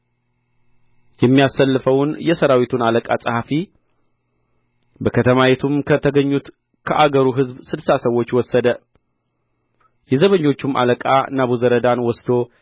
የሚያሰልፈውን የሠራዊቱን አለቃ ጸሐፊ በከተማይቱም ከተገኙት ከአገሩ ሕዝብ ስድሳ ሰዎች ወሰደ የዘበኞቹም አለቃ ናቡዘረዳን ወስዶ